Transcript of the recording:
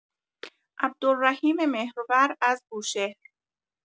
عبدالرحیم مهرور، از بوشهر